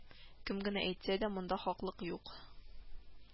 Кем генә әйтсә дә, монда хаклык юк